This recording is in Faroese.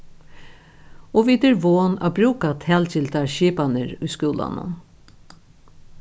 og vit eru von at brúka talgildar skipanir í skúlanum